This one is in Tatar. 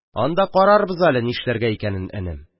– анда карарбыз әле нишләргә икәнен, энем.